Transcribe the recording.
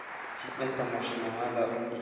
Җитмәсә, машинаңа да